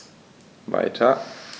Weiter.